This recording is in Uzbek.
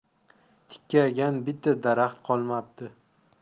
tikkaygan bitta daraxt qolmabdi